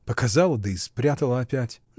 показала, да и спрятала опять.